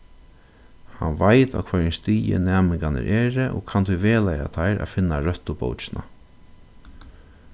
hann veit á hvørjum stigi næmingarnir eru og kann tí vegleiða teir at finna røttu bókina